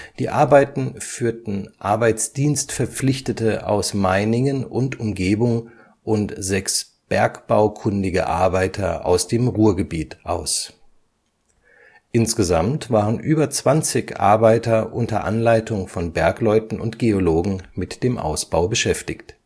Die Arbeiten führten Arbeitsdienstverpflichtete aus Meiningen und Umgebung und sechs bergbaukundige Arbeiter aus dem Ruhrgebiet aus. Insgesamt waren über 20 Arbeiter unter Anleitung von Bergleuten und Geologen mit dem Ausbau beschäftigt